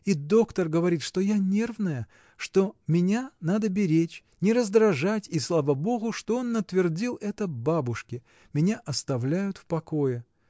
И доктор говорит, что я нервная, что меня надо беречь, не раздражать, и слава Богу, что он натвердил это бабушке: меня оставляют в покое.